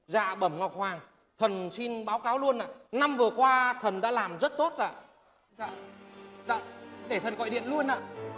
dạ bẩm ngọc hoàng thần xin báo cáo luôn ạ năm vừa qua thần đã làm rất tốt ạ dạ dạ để thần gọi điện luôn ạ